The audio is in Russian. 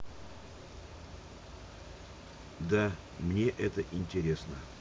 да мне это интересно